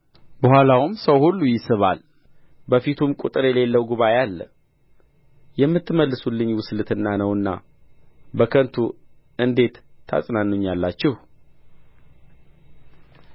በኋላውም ሰው ሁሉ ይሳባል በፊቱም ቍጥር የሌለው ጉባኤ አለ የምትመልሱልኝ ውስልትና ነውና በከንቱ እንዴት ታጽናኑኛላችሁ